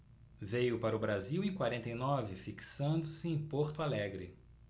veio para o brasil em quarenta e nove fixando-se em porto alegre